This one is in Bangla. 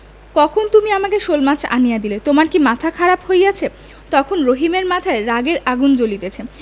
কখন তুমি আমাকে শোলমাছ আনিয়া দিলে তোমার কি মাথা খারাপ হইয়াছে তখন রহিমের মাথায় রাগের আগুন জ্বলিতেছে